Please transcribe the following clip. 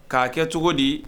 K'a kɛ cogo di